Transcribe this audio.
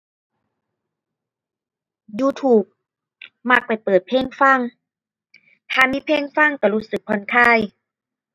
YouTube มักไปเปิดเพลงฟัง ถ้ามีเพลงฟังก็รู้สึกผ่อนคลาย